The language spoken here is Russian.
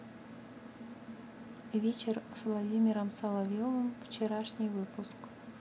вечер с владимиром соловьевым вчерашний выпуск